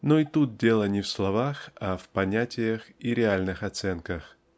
Но и тут дело не в словах, а в понятиях и реальных оценках.